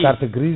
carte grise